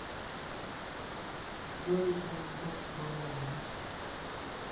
гарик бульдог харламов